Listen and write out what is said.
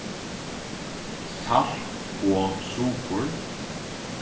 salt og sukur